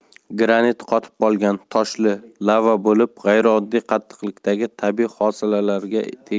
granit qotib qolgan toshli lava bo'lib g'ayrioddiy qattiqlikdagi tabiiy hosilalarga tegishli